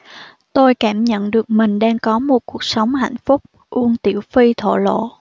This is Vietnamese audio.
tôi cảm nhận được mình đang có một cuộc sống hạnh phúc uông tiểu phi thổ lộ